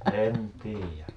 en tiedä